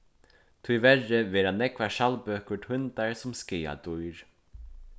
tíverri verða nógvar skjaldbøkur týndar sum skaðadýr